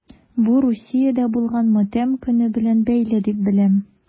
Бу Русиядә булган матәм көне белән бәйле дип беләм...